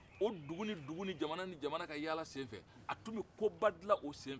o dugu ni dugu ni jamana ni jamana ka yala senfɛ a tun bɛ koba dilan o senfɛ